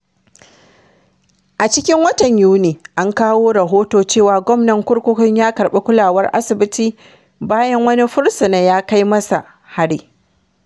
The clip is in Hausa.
A cikin watan Yuni an kawo rahoto cewa gwamnan kurkukun ya karɓi kulawar asibiti bayan wani fursuna ya kai masa hari.